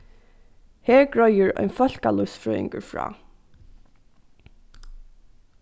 her greiður ein fólkalívsfrøðingur frá